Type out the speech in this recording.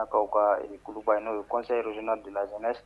Kaba ye n'o ye kɔn yeroina donna la